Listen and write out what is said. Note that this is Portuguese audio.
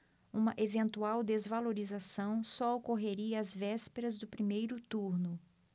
uma eventual desvalorização só ocorreria às vésperas do primeiro turno